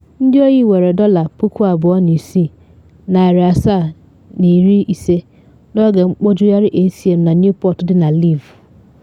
Ndị oyi were $26,750 n’oge mkpojugharị ATM na Newport dị na Levee